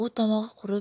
u tomog'i qurib